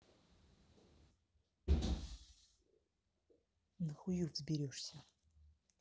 на хую взберешься